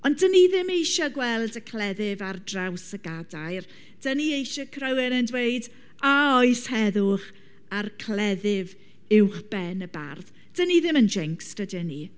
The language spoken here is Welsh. Ond dan ni ddim eisiau gweld y cleddyf ar draws y gadair. Dan ni eisiau cryw- rywun yn dweud "a oes heddwch" a'r cleddyf uwchben y bardd. Dan ni ddim yn jinxed, ydyn ni?